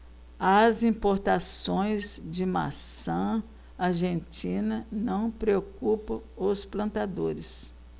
as importações de maçã argentina não preocupam os plantadores